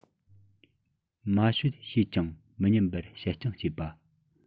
མ ཤོད བྱས ཀྱང མི ཉན པར བཤད རྐྱང བྱེད པ